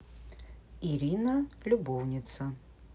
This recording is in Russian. ирина любовница